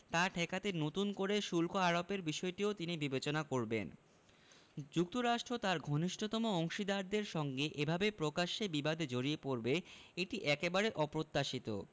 তা ঠেকাতে নতুন করে শুল্ক আরোপের বিষয়টিও তিনি বিবেচনা করবেন যুক্তরাষ্ট্র তার ঘনিষ্ঠতম অংশীদারদের সঙ্গে এভাবে প্রকাশ্যে বিবাদে জড়িয়ে পড়বে এটি একেবারে অপ্রত্যাশিত